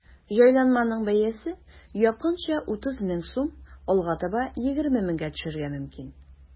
Җайланманың бәясе якынча 30 мең сум, алга таба 20 меңгә төшәргә мөмкин.